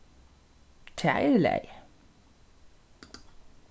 tað er í lagi